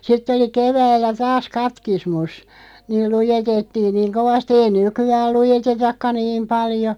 sitten oli keväällä taas katekismus niin luetettiin niin kovasti ei nykyään luetetakaan niin paljon